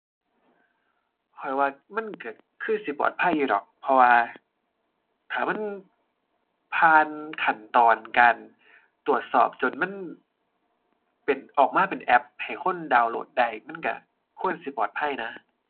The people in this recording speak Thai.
ข้อยว่ามันก็คือสิปลอดภัยอยู่ดอก เพราะว่าถ้ามันผ่านขั้นตอนการตรวจสอบจนมัน เป็น ออกมาเป็นแอปให้คนดาวน์โหลดได้ มันก็ควรสิปลอดภัยนะ